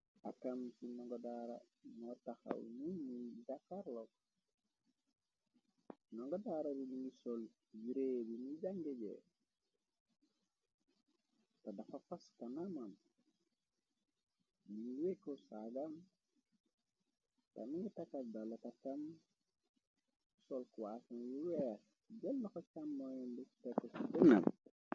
akam ci nagodaara moo taxaw nu gi jaakaarol nongodaara ming sol yu ree bi ñu jangeeje te dafa faskanamam letu aadam ta na ngi takat da la tatam solkuason yu weex jëllxo càm moyonbu teka ci dene.